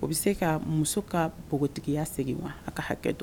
O bɛ se ka muso ka npogotigiya segin wa hakɛ ka hakɛ dɔn